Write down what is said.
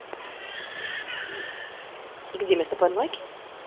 где место под лайки